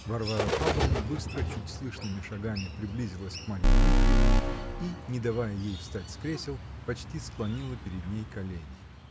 Варвара Павловна быстро, чуть слышными шагами приблизилась к Марье Дмитриевне и, не давая ей встать с кресел, почти склонила перед ней колени.